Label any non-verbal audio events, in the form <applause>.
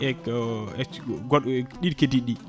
e ko <hesitation> ɗiɗi keddiɗi ɗi